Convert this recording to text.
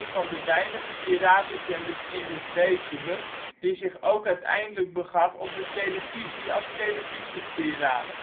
van de weinige piratenzenders in de Betuwe die zich ook uiteindelijk begaf op de televisie als televisiepiraat